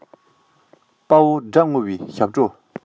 དཔའ བོ དགྲ འདུལ བའི ཞབས བསྐུལ